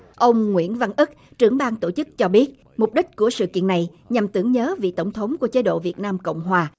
ông nguyễn văn ức trưởng ban tổ chức cho biết mục đích của sự kiện này nhằm tưởng nhớ vị tổng thống của chế độ việt nam cộng hòa